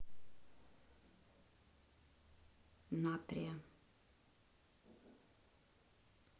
натрия